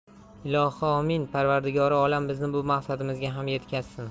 ilohi omin parvardigori olam bizni bu maqsadimizga ham yetkazsin